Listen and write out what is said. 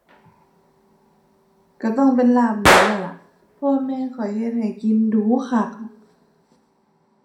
ก็ต้องเป็นลาบหมูแล้วล่ะ เพราะว่าแม่ข้อยเฮ็ดให้กินดู๋คัก